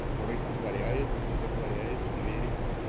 который отворяет и затворяет двери